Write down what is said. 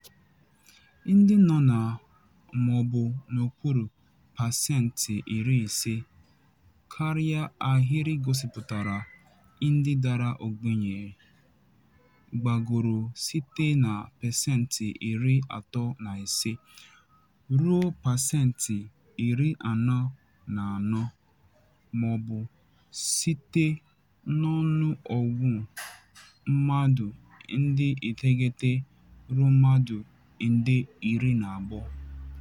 Ndị nọ na maọbụ n'okpuru pesentị iri ise(50%) karịa ahịrị gosipụtara ndị dara ogbenye, gbagoro site na pesentị iri atọ na ise (35%) ruo pesentị iri anọ na anọ (44%) (maọbụ site n'ọnụ ọgụ mmadụ nde iteghete ruo mmadụ nde iri na abụọ)